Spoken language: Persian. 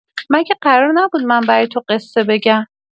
مگه قرار نبود من برای تو قصه بگم؟